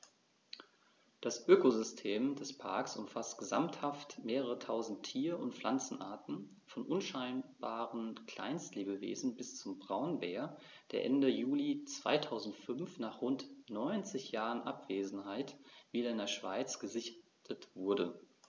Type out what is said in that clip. Das Ökosystem des Parks umfasst gesamthaft mehrere tausend Tier- und Pflanzenarten, von unscheinbaren Kleinstlebewesen bis zum Braunbär, der Ende Juli 2005, nach rund 90 Jahren Abwesenheit, wieder in der Schweiz gesichtet wurde.